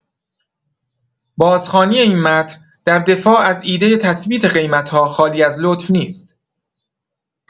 بازخوانی این متن در دفاع از ایده تثبیت قیمت‌ها خالی از لطف نیست.